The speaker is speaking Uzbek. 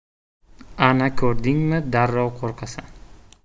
ana ko'rdingmi darrov qo'rqasan